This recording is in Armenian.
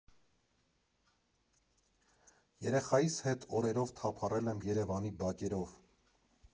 Երեխայիս հետ օրերով թափառել եմ Երևանի բակերով։